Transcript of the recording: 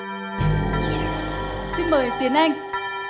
xin mời tiến anh